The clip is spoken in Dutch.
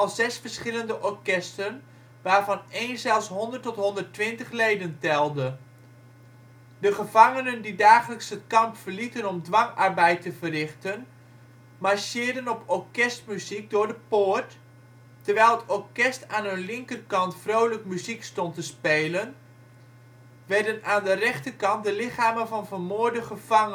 zes verschillende orkesten, waarvan één zelfs 100 tot 120 leden telde. De gevangenen die dagelijks het kamp verlieten om dwangarbeid te verrichten marcheerden op orkestmuziek door de poort. Terwijl het orkest aan hun linkerkant vrolijke muziek stond te spelen, werden aan de rechterkant de lichamen van vermoorde gevangen